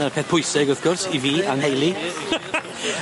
na'r peth pwysig, wrth gwrs, i fi, a'n nheulu.